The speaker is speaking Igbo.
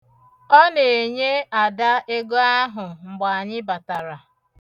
Ọ na-enye Ada ego ahụ mgbe anyị batara.